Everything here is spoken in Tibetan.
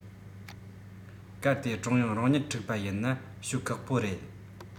གལ ཏེ ཀྲུང དབྱང རང གཉིད འཁྲུག པ ཡིན ན ཤོད ཁག པོ རེད